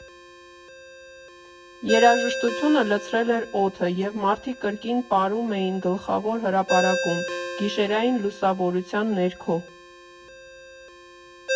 Երաժշտությունը լցրել էր օդը, և մարդիկ կրկին պարում էին գլխավոր հրապարակում՝ գիշերային լուսավորության ներքո։